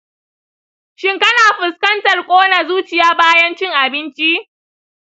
shin kana fuskantar ƙona zuciya bayan cin abinci?